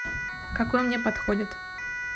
в какой мне подходит